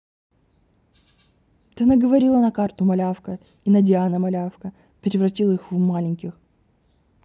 да наговорила на карту малявка и на диана малявка превратила их в маленьких